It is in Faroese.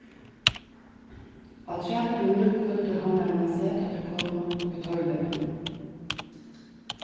á træbrúnni hvíldu havnarmenn seg tá ið teir komu við torvleypinum